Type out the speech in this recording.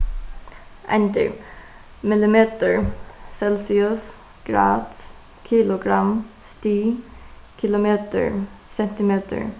eindir millimetur celsius grad kilogramm stig kilometur sentimetur